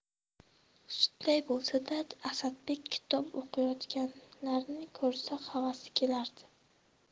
shunday bo'lsa da asadbek kitob o'qiyotganlarni ko'rsa havasi kelardi